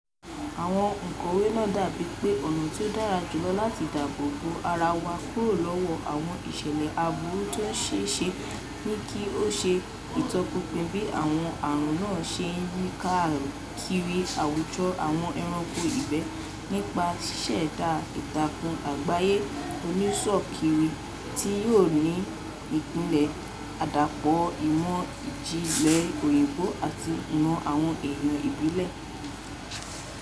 "Àwọn òǹkọ̀wé náà dábàá pé ọ̀nà tí ó dára jùlọ láti dáàbò bo ara wa kúrò lọ́wọ́ àwọn ìṣẹ̀lẹ̀ aburú tí ó ṣeéṣe ni kí á ṣe ìtọpinpin bí àwọn àrùn náà ṣe ń yí kiri àwùjọ àwọn ẹranko ìgbẹ́ nípa ṣíṣẹ̀dá ìtakùn àgbáyé oníṣọ̀ọ́kiri tí yóò ní ìpìlẹ̀ àdàpọ̀ ìmọ̀ ìjìnlẹ̀ Òyìnbó àti ìmọ̀ àwọn èèyàn ìbílẹ̀."